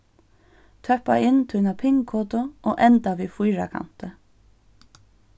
tøppa inn tína pin-kodu og enda við fýrakanti